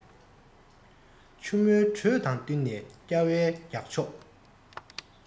ཆུ མོའི འགྲོས དང བསྟུན ནས སྐྱ བའི རྒྱག ཕྱོགས